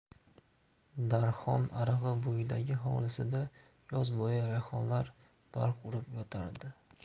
darhon arig'i bo'yidagi hovlisida yoz bo'yi rayhonlar barq urib yotardi